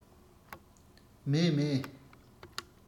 མཱེ མཱེ